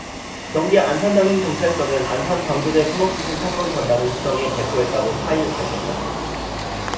경기 안산단원경찰서는 안산 방조제 토막시신 사건 전단을 수정해 배포했다고 사 일 밝혔다